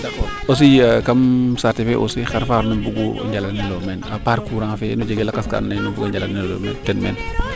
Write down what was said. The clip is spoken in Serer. aussi kam saate fe aussi xar fo xar nu mbugu njala nel oyo a part courant fee njege lakas kaa ando naye numbuga njala nelo ten meen